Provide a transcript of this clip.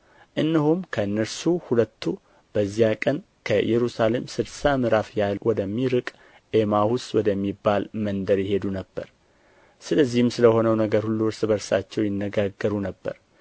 እነሆም ከእነርሱ ሁለቱ በዚያ ቀን ከኢየሩሳሌም ስድሳ ምዕራፍ ያህል ወደሚርቅ ኤማሁስ ወደሚባል መንደር ይሄዱ ነበር ስለዚህም ስለ ሆነው ነገር ሁሉ እርስ በርሳቸው ይነጋገሩ ነበር